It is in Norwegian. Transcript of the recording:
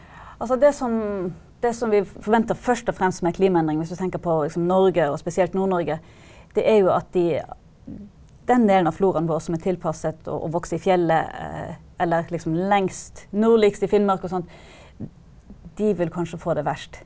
altså det som det som vi forventer først og fremst med klimaendringen, hvis du tenker på liksom Norge og spesielt Nord-Norge, det er jo at de den delen av floraen våre som er tilpasset å vokse i fjellet eller liksom lengst nordligst i Finnmark og sånn de vil kanskje få det verst.